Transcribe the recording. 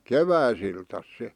keväisiltänsä se